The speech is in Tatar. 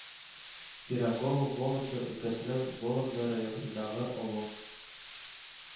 Пирогово Вологда өлкәсенең Вологда районындагы авыл